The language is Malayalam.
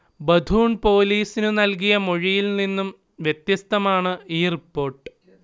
ബഥൂൺ പൊലീസിനു നൽകിയ മൊഴിയിൽ നിന്നും വ്യത്യസ്തമാണ് ഈ റിപ്പോർട്ട്